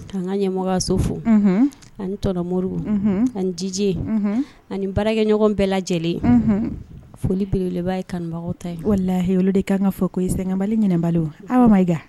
Ka an ka ɲɛmɔgɔso fo ani tɔnɔ mori ani diji ani baarakɛɲɔgɔn bɛɛ lajɛlen foliereeleba ye kanubagaw ta ye walima lahi de' kan ka fɔ ko ye sanbali ɲbali aw ma i